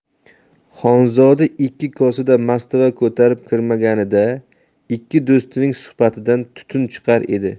xonzoda ikki kosada mastava ko'tarib kirmaganida ikki do'stning suhbatidan tutun chiqar edi